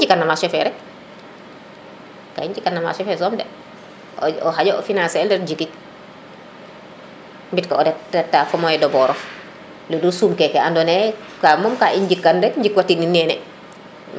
ka i njikan no marché fe rek ka i njikan no marché fe soom de xaƴa o financer el ret jikik mbit o reta fo moyen de bord of ludul suum keke ando naye kaga moom ka njikan rek njikwa ti nin nene